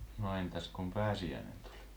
no entäs kun pääsiäinen tuli